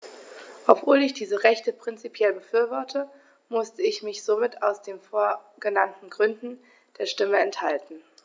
Obwohl ich diese Rechte prinzipiell befürworte, musste ich mich somit aus den vorgenannten Gründen der Stimme enthalten.